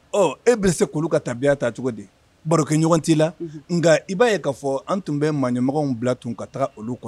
Ɔ e bɛ se kulu ka tabiya ta cogo di barokɛ ɲɔgɔn t'i la nka i b'a ye k'a fɔ an tun bɛ maa ɲɛmɔgɔ bila tun ka taa olu kɔnɔ